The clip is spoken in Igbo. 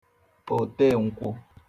òtenkwụ